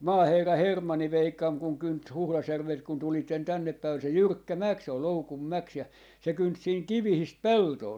maaherra Hermanni veikkani kun kynti Huhdasjärveltä kun tulitte tännepäin oli se jyrkkä mäki se oli Loukunmäki ja se kynti siinä kivistä peltoa